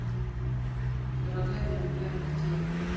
дорогая мы убиваем детей